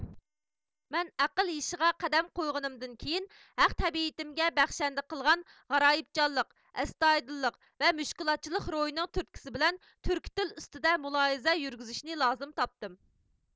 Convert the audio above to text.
مەن ئەقىل يېشىغا قەدەم قويغىنىمدىن كېيىن ھەق تەبىئىيىتىمىگە بەخشەندە قىلغان غارايىبچانلىق ئەستايىدىللىق ۋە مۇشكۈلاتچىلىق روھىنىڭ تۈرتكىسى بىلەن تۈركىي تىل ئۈستىدە مۇلاھىزە يۈرگۈزۈشنى لازىم تاپتىم